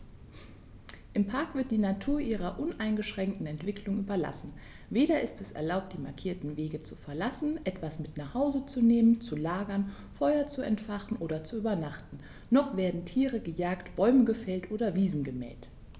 Im Park wird die Natur ihrer uneingeschränkten Entwicklung überlassen; weder ist es erlaubt, die markierten Wege zu verlassen, etwas mit nach Hause zu nehmen, zu lagern, Feuer zu entfachen und zu übernachten, noch werden Tiere gejagt, Bäume gefällt oder Wiesen gemäht.